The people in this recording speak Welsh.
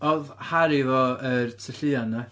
Oedd Harry efo yr tylluan 'na.